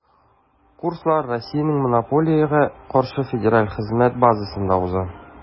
Курслар Россиянең Монополиягә каршы федераль хезмәте базасында уза.